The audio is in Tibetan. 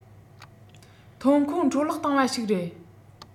ཐོན ཁུངས འཕྲོ བརླག བཏང བ ཞིག རེད